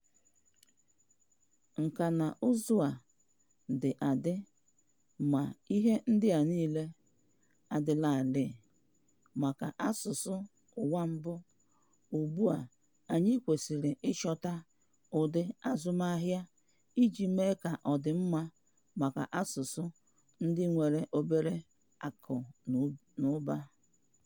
Nkànaụzụ a dị adị ma ihe ndị a niile adịlarịị maka asụsụ ụwa mbụ, ugbua anyị kwesịrị ịchọta ụdị azụmahịa iji mee ka ọ dị mma maka asụsụ ndị nwere obere akụnaụba.